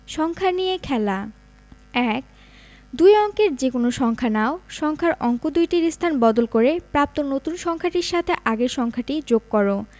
সংখ্যা নিয়ে খেলা ১ দুই অঙ্কের যেকোনো সংখ্যা নাও সংখ্যার অঙ্ক দুইটির স্থান বদল করে প্রাপ্ত নতুন সংখ্যাটির সাথে আগের সংখ্যাটি যোগ কর